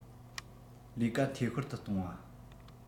ལས ཀ འཐུས ཤོར དུ གཏོང བ